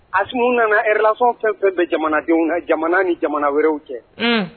Assimi nana relation fɛn wo fɛn jamanadenw na jamana ni jamana wɛrɛw cɛ un